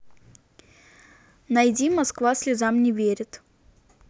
найди москва слезам не верит